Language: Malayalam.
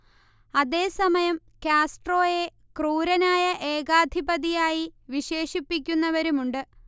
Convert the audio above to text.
അതേ സമയം കാസ്ട്രോയെ ക്രൂരനായ ഏകാധിപതിയായി വിശേഷിപ്പിക്കുന്നവരുമുണ്ട്